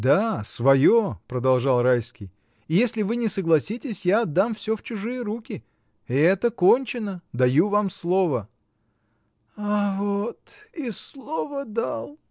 — Да, свое, — продолжал Райский, — и если вы не согласитесь, я отдам всё в чужие руки: это кончено, даю вам слово. — Вот — и слово дал!